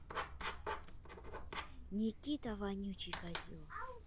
никита вонючий козел